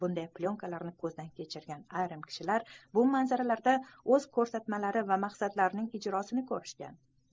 bunday plyonkalarni ko'zdan kechirgan ayrim kishilar bu manzaralarda o'z ko'rsatmalari va maqsadlarining ijrosini ko'rishgan